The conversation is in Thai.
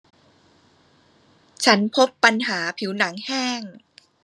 ฉันพบปัญหาผิวหนังแห้ง